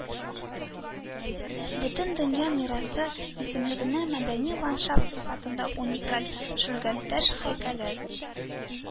Бөтендөнья мирасы исемлегенә мәдәни ландшафт сыйфатында уникаль шүлгәнташ һәйкәлен